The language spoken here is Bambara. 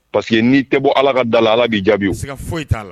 Pa queseke n'i tɛ bɔ ala ka da la ala k' jaabi foyi la